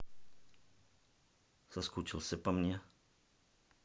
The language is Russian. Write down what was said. соскучился по мне